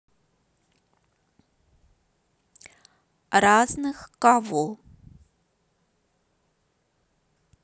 разных кого